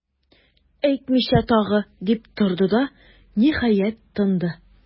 Әйтмичә тагы,- дип торды да, ниһаять, тынды.